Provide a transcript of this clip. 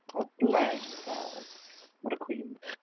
God bless her. What a queen.